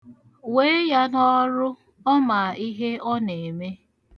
Wee ya n'ọrụ, ọ ma ihe ọ na-eme.